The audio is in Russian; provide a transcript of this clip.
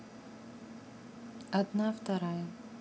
одна вторая